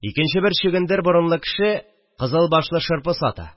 Икенче бер чөгендер борынлы кеше кызыл башлы шырпы сата